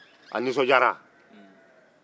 a nisɔndiyara